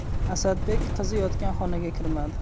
asadbek qizi yotgan xonaga kirmadi